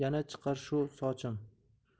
yana chiqar shu sochim